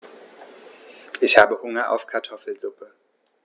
Ich habe Hunger auf Kartoffelsuppe.